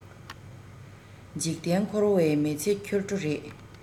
འཇིག རྟེན འཁོར བའི མི ཚེ འཁྱོལ འགྲོ རེད